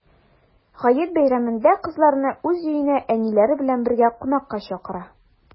Гает бәйрәмендә кызларны уз өенә әниләре белән бергә кунакка чакыра.